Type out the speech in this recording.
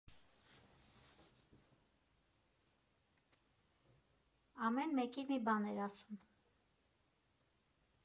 Ամեն մեկին մի բան էր ասում։